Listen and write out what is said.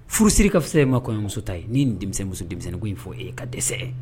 Furusiri ka fisasa ye ma kɔɲɔyɔmuso ta ye ni denmisɛnnin denmisɛnnin in fɔ e ka dɛsɛsɛ